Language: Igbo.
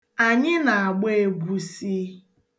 Anyị na-agba egwusi.